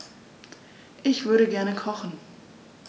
Ich würde gerne kochen.